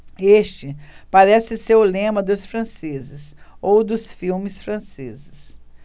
este parece ser o lema dos franceses ou dos filmes franceses